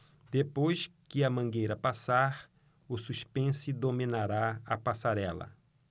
depois que a mangueira passar o suspense dominará a passarela